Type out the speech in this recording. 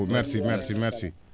merci merci merci merci